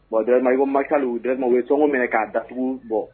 Wadna o maka u dɛmɛ o ye cogogo minɛ k'a datugu bɔ